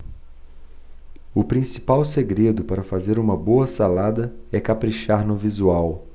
o principal segredo para fazer uma boa salada é caprichar no visual